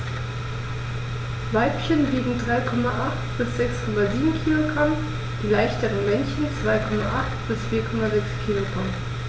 Weibchen wiegen 3,8 bis 6,7 kg, die leichteren Männchen 2,8 bis 4,6 kg.